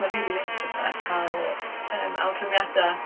Ma' rili neis cael yym awgrymiadau...